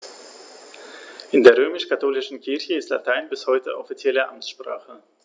In der römisch-katholischen Kirche ist Latein bis heute offizielle Amtssprache.